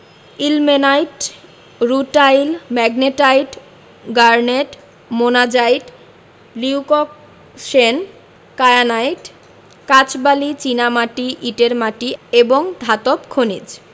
ilmenite rutile magnetite garnet monazite leucoxene kyanite কাঁচবালি চীনামাটি ইটের মাটি এবং ধাতব খনিজ